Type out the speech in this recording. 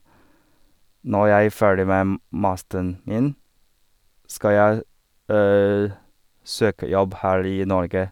Når jeg ferdig med m masteren min, skal jeg søke jobb her i Norge.